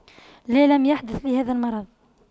لا لم يحدث لي هذا المرض